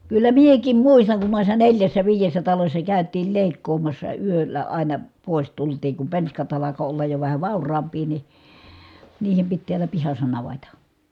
kyllä minäkin muistan kun noissa neljässä viidessä talossa käytiin leikkaamassa yöllä aina pois tultiin kun penskat alkoi olla jo vähän vauraampia niin niiden piti täällä pihassa navetta